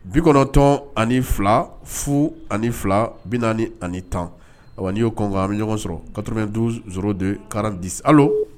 92 02 40 10 , awa n'i y'o koko an bɛ ɲɔgɔn sɔrɔ 92 02 40 10 allo?